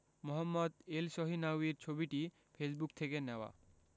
মোহাম্মদ এলসহিনাউয়ির ছবিটি ফেসবুক থেকে নেওয়া